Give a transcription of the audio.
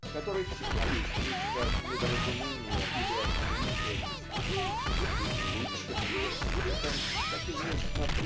в которой всегда есть нечто от недоразумения или от неискренности и "лучшим университетом" как известно